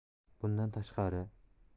bundan tashqari